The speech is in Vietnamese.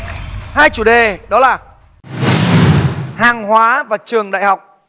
hai chủ đề đó là hàng hóa và trường đại học